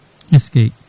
eskey